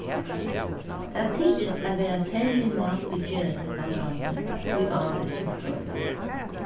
tað tykist at vera serlig mál ið gera seg galdandi í ávísum førum